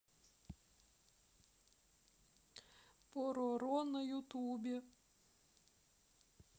пороро на ютубе